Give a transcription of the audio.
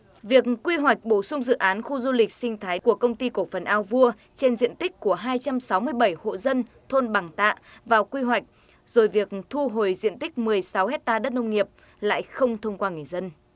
việc quy hoạch bổ sung dự án khu du lịch sinh thái của công ty cổ phần ao vua trên diện tích của hai trăm sáu mươi bảy hộ dân thôn bằng tạ vào quy hoạch rồi việc thu hồi diện tích mười sáu héc ta đất nông nghiệp lại không thông qua người dân